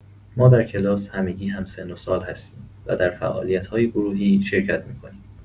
ما در کلاس همگی هم‌سن‌وسال هستیم و در فعالیت‌های گروهی شرکت می‌کنیم.